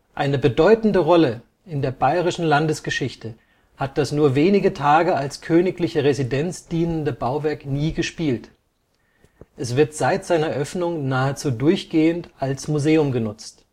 Eine bedeutende Rolle in der bayerischen Landesgeschichte hat das nur wenige Tage als königliche Residenz dienende Bauwerk nie gespielt, es wird seit seiner Öffnung nahezu durchgehend als Museum genutzt